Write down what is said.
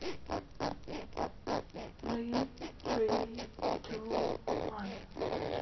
nle three two one